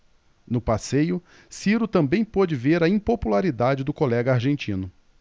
no passeio ciro também pôde ver a impopularidade do colega argentino